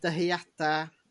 dyheada